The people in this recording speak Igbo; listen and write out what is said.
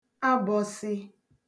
abọ̀sị